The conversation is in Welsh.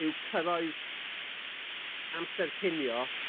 yw cyrraedd amser cinio